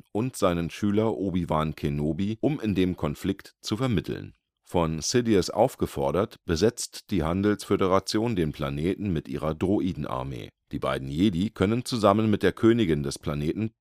und seinen Schüler (Qui-Gon Jinn und Obi-Wan Kenobi), um in dem Konflikt zu vermitteln. Von Sidious aufgefordert, besetzt die Handelsföderation den Planeten mit ihrer Droidenarmee. Die beiden Jedi können zusammen mit Padmé Amidala, der Königin des Planeten